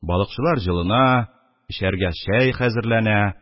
Балыкчылар җылына, эчәргә чәй хәзерләнә.